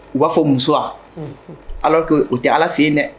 U b'a fɔ muso ala o tɛ ala fɛ yen dɛ